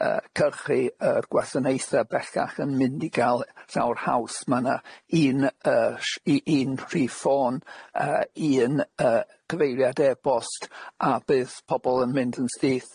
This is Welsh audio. yy cyrchu yr gwasanaethe bellach yn mynd i gal llawar haws ma' na un yyy sh- i- un rhif ffôn y- un y- cyfeiriad e-bost a bydd pobol yn mynd yn syth.